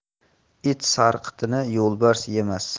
it sarqitini yo'lbars yemas